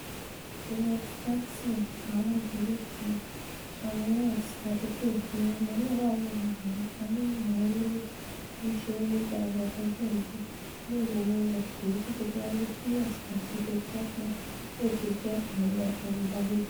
Janet Jackson, àwọn The Weeknd, Shawn Mendes, Cardi B, Janelle Monáe wà lára àwọn kan nínú àwọn eléré tó ńṣeré níbi ayẹyẹ tọdún yìí ní ìlú New York, èyití Deborah-Lee Furness àti Hugh Jackman yóò tijẹ́ àwọn olùgbàlejò.